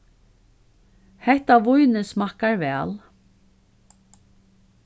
hetta vínið smakkar væl